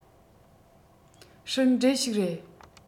སྲིད འབྲས ཤིག རེད